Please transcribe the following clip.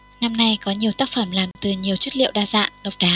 năm nay có nhiều tác phẩm làm từ nhiều chất liệu đa dạng độc đáo